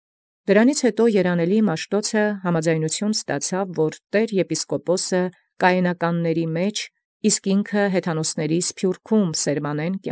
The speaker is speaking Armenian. Կորյուն Յետ այնորիկ առնոյր հաւանութիւն երանելին Մաշթոց, որպէս զի տէր Եպիսկոպոսն ի կայենականսն, և նա ի սփիւռս հեթանոսաց զբանն կենաց սերմանիցեն։